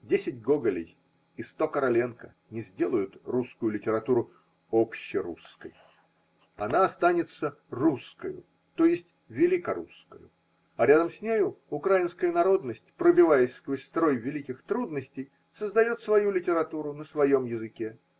Десять Гоголей и сто Короленко не сделают русскую литературу общерусской: она остается русскою, т.е. великорусскою, а рядом с нею украинская народность, пробиваясь сквозь строй великих трудностей, создает свою литературу на своем языке.